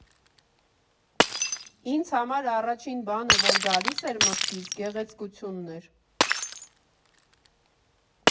Ինձ համար առաջին բանը, որ գալիս էր մտքիս, գեղեցկությունն էր։